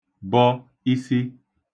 bọ isi